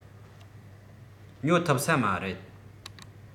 ཉོ ཐུབ ས མ རེད